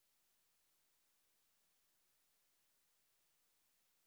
между нами девочками сериал